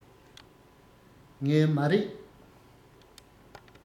ངས མ རེད